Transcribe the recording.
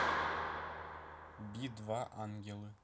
би два ангелы